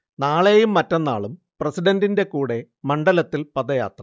നാളെയും മറ്റന്നാളും പ്രസിഡന്റിന്റെ കൂടെ മണ്ഡലത്തിൽ പദയാത്ര